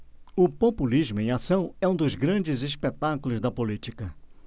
o populismo em ação é um dos grandes espetáculos da política